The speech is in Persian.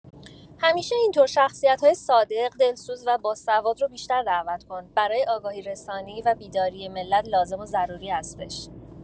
همیشه اینطور شخصیت‌های صادق، دلسوز و باسواد رو بیشتر دعوت کن برای آگاهی‌رسانی و بیداری ملت لازم و ضروری هستش.